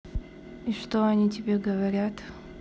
и что они тебе говорят